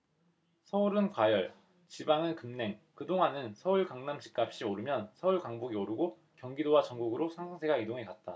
서울은 과열 지방은 급랭그동안은 서울 강남 집값이 오르면 서울 강북이 오르고 경기도와 전국으로 상승세가 이동해갔다